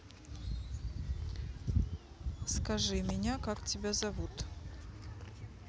скажи меня как тебя зовут